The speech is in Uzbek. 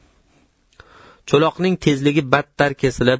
cho'loqning tezligi battar kesilib